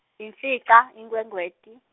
yemfica, Inkhwekhweti.